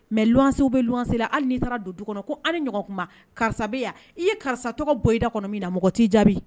Mɛ sew bɛ wasela hali n'i taara don du kɔnɔ ko hali ɲɔgɔn karisabe yan i ye karisa tɔgɔ bɔ i da kɔnɔ min na mɔgɔ'i jaabi